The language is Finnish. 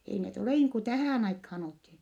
ei ne ole niin kuin tähän aikaan oltiin